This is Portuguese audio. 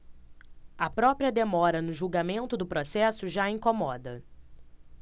a própria demora no julgamento do processo já incomoda